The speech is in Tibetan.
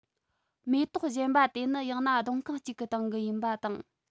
མེ ཏོག གཞན པ དེ ནི ཡང ན སྡོང རྐང གཅིག གི སྟེང གི ཡིན པ དང